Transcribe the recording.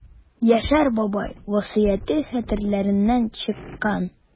Яшәр бабай васыяте хәтерләреннән чыккан.